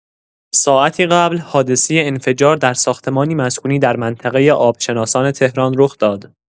ساعتی قبل حادثه انفجار در ساختمانی مسکونی در منطقه آبشناسان تهران رخ داد.